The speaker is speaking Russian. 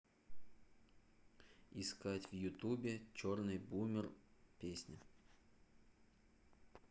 искать в ютубе черный бумер песня